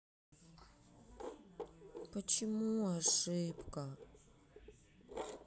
почему ошибка